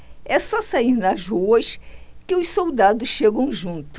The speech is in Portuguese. é só sair nas ruas que os soldados chegam junto